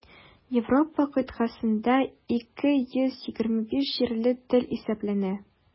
Европа кыйтгасында 225 җирле тел исәпләнә.